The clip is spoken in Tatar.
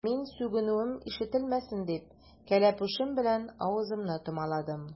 Мин, сүгенүем ишетелмәсен дип, кәләпүшем белән авызымны томаладым.